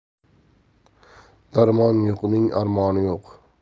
darmoni yo'qning armoni ko'p